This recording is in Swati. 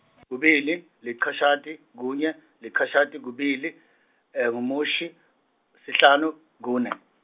kubili, licashata, kunye, licashata kubili, ngumushi, sihlanu, kune.